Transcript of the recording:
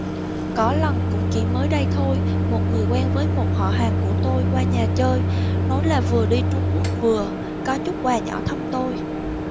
có lần cũng chỉ mới đây thôi một người quen với một họ hàng của tôi qua nhà chơi nói là vừa đi trung quốc vừa có chút quà nhỏ thăm tôi